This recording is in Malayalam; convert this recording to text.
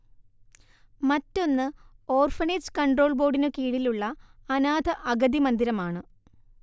മറ്റൊന്ന് ഓർഫനേജ് കൺട്രോൾ ബോർഡിനു കീഴിലുള്ള അനാഥ അഗതി മന്ദിരമാണ്